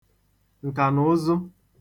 ǹkànụzụ